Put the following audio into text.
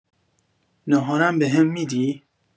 ناهارم بهم می‌دی؟